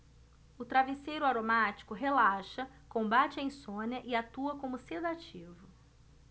o travesseiro aromático relaxa combate a insônia e atua como sedativo